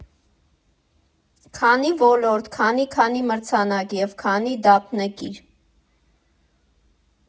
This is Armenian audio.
Քանի ոլորտ, քանի քանի մրցանակ և քանի դափնեկիր։